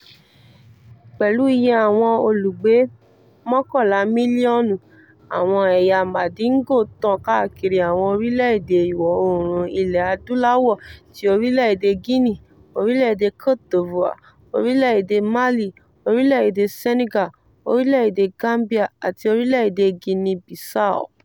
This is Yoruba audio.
Pẹ̀lú ìyè àwọn olùgbé 11 mílíọ̀nù, àwọn ẹ̀yà Mandingo tàn káàkiri àwọn orílẹ́ èdè Ìwọ̀ Oòrùn Ilẹ̀ Adúláwò ti orílẹ̀ èdè Guinea, orílẹ̀ èdè Cote d'Ivoire, orílẹ̀ èdè Mali, orílẹ̀ èdè Senegal, orílẹ̀ èdè Gambia àti orílẹ́ èdè Guinea Bissau.